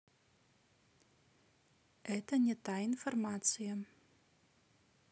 это не та информация